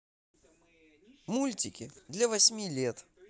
мультики для восьми лет для